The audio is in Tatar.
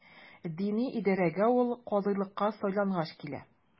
Дини идарәгә ул казыйлыкка сайлангач килә.